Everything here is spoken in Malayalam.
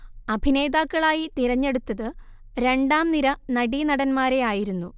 അഭിനേതാക്കളായി തിരഞ്ഞെടുത്തത്‌ രണ്ടാംനിര നടീനടൻമാരെയായിരുന്നു